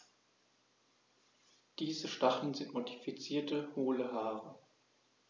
Diese Stacheln sind modifizierte, hohle Haare.